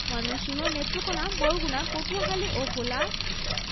ময়মনসিংহ নেত্রকোনা বরগুনা পটুয়াখালী ও ভোলা